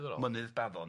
Mynydd Baddon.